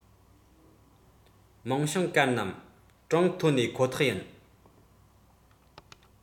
མིང བྱང བཀལ རྣམ གྲངས བཏོན ནས ཁོ ཐག ཡིན